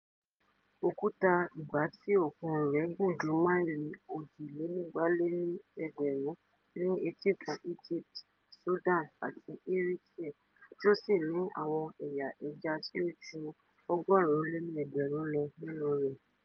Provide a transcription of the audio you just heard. Òkúta ìgbátí-òkun rẹ̀ gùn ju máìlì 1,240 ní etíkun Egypt, Sudan, àti Eritrea tí ó sì ní àwọn ẹ̀yà ẹja tí ó ju 1,100 lọ nínú rẹ̀.